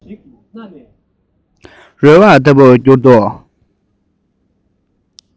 རོལ བ ལྟ བུར གྱུར འདུག